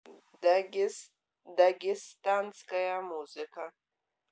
дагестанская музыка